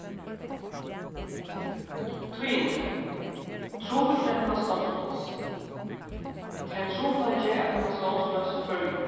tíðindi trupult er at finna stovnspláss tað er ein trupulleiki at finna stovnspláss í føroyum